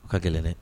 A ka gɛlɛn dɛ